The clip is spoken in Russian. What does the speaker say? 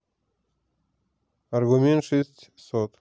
аргумент шестьсот